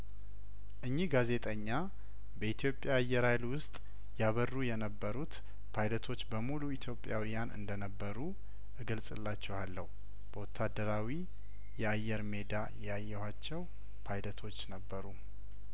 እኚህ ጋዜጠኛ በኢትዮጵያ አየር ሀይል ውስጥ ያበሩ የነበሩት ፓይለቶች በሙሉ ኢትዮጵያዊያን እንደነበሩ እገልጽ ላችኋለሁ በወታደራዊ የአየር ሜዳ ያየኋቸው ፓይለቶች ነበሩ